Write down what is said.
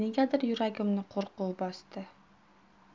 negadir yuragimni qo'rquv bosdi